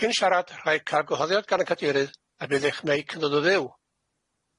Cyn siarad rhaid cael gwahoddiad gan y cadeirydd a bydd eich meic yn fyw.